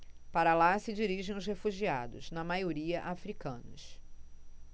para lá se dirigem os refugiados na maioria hútus